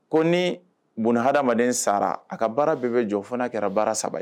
Ko ni bon hadamadama sara a ka baara bɛɛ bɛ jɔ fo'a kɛra baara saba ye